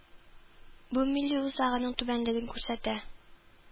Бу милли үзаңның түбәнлелеген күрсәтә